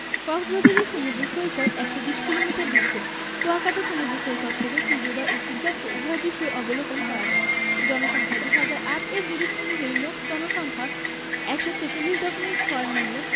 কক্সবাজারের সমুদ্র সৈকত ১২০ কিলোমিটার দীর্ঘ কুয়াকাটা সমুদ্র সৈকত থেকে সূর্যোদয় ও সূর্যাস্ত উভয় দৃশ্যই অবলোকন করা যায় জনসংখ্যাঃ ২০০৮ এর জরিপ অনুযায়ী মোট জনসংখ্যা ১৪৬দশমিক ৬ মিলিয়ন